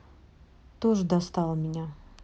тоже достала меня